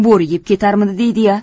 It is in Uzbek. bo'ri yeb ketarmidi deydi ya